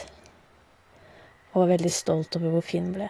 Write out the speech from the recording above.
Og var veldig stolt over hvor fin den ble.